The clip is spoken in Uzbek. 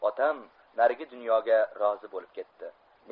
otam narigi dunyoga rozi bo'lib ketdi